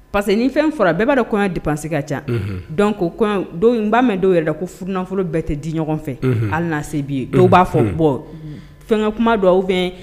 Parce que ni fɛn fɔra bɛɛ' kɔɲɔ de panse ka ca ko'a mɛn dɔw yɛrɛ ko ffolo bɛɛ tɛ di ɲɔgɔn fɛ hali na se' yen dɔw b'a fɔ bɔ fɛnkɛ kuma don fɛ